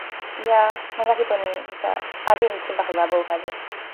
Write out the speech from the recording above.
ia ma' 'na rhwbe'n eitha... A fi'n tym bach o rebel hefyd.